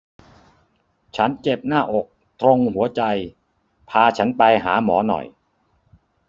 ฉันเจ็บหน้าอกตรงหัวใจพาฉันไปหาหมอหน่อย